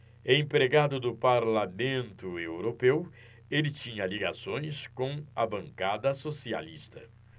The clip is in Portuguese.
empregado do parlamento europeu ele tinha ligações com a bancada socialista